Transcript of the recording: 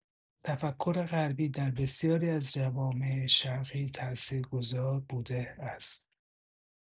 تفکر غربی در بسیاری از جوامع شرقی تأثیرگذار بوده است.